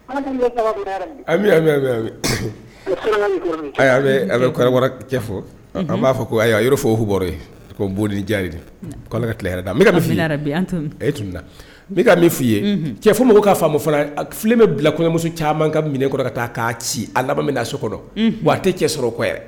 An bɛ cɛ fɔ an b'a fɔ ko ayiwa yɔrɔ'fu bɔra ni diyarari' ka tila da n bɛ ka min fɔ'i ye fo mɔgɔw'a faama fi bɛ bila kɔɲɔmuso caman ka minɛ kɔrɔ ka taa k'a ci a laban so kɔnɔ wa a tɛ cɛ sɔrɔ kɔ